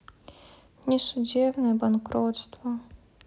несудебное банкротство